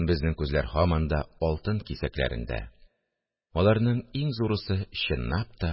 Безнең күзләр һаман да алтын кисәкләрендә: аларның иң зурысы чынлап та